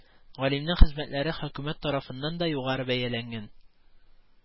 Галимнең хезмәтләре хөкүмәт тарафыннан да югары бәяләнгән